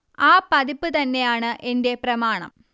ആ പതിപ്പ് തന്നെയാണ് എന്റെ പ്രമാണം